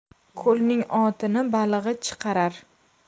ko'lning otini balig'i chiqarar